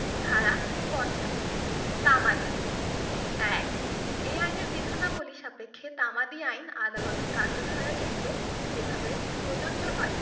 ধারা ৫৫ তামাদি ১ এই আইনের বিধানাবলী সাপেক্ষে তামাদি আইন আদালতের কার্য ধারার ক্ষেত্রে যেভাবে প্রযোজ্য হয়